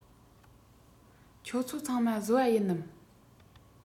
ཁྱོད ཚོ ཚང མ བཟོ པ ཡིན ནམ